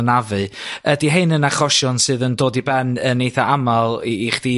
anafu. Ydy rhein yn achosion sydd yn dod i ben yn eitha amal i i chdi